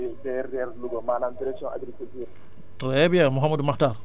maa ngi liggéeyee DRDR bu Louga maanaam direction agriculture